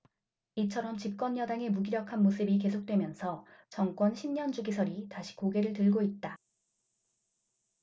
이처럼 집권 여당의 무기력한 모습이 계속되면서 정권 십 년 주기설이 다시 고개를 들고 있다